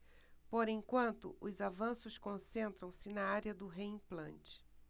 por enquanto os avanços concentram-se na área do reimplante